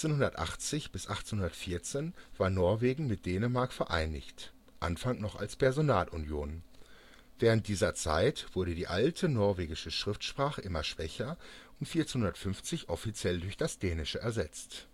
1380 bis 1814 war Norwegen mit Dänemark vereinigt, anfangs noch als Personalunion. Während dieser Zeit wurde die alte norwegische Schriftsprache immer schwächer und 1450 offiziell durch das Dänische ersetzt